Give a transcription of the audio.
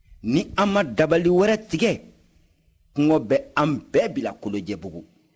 ni an ma dabali wɛrɛ tigɛ kɔngɔ bɛ an bɛɛ bila kolojɛbugu